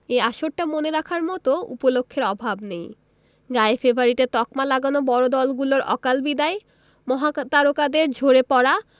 এই আসরটা মনে রাখার মতো উপলক্ষের অভাব নেই গায়ে ফেভারিটের তকমা লাগানো বড় দলগুলোর অকাল বিদায় মহাতারকাদের ঝরে পড়া